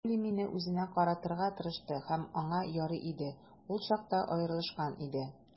Джули мине үзенә каратырга тырышты, һәм аңа ярый иде - ул чакта аерылышкан иде.